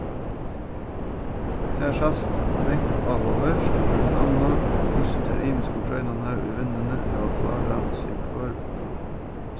har sæst mangt áhugavert millum annað hvussu tær ymisku greinarnar í vinnuni hava klárað seg hvør